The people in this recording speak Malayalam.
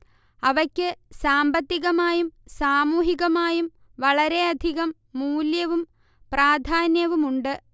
അവയ്ക്ക് സാമ്പത്തികമായും സാമൂഹികമായും വളരെയധികം മൂല്യവും പ്രാധാന്യവുമുണ്ട്